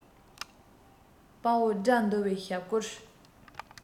དཔའ བོ དགྲ འདུལ བའི ཞབས བསྐུལ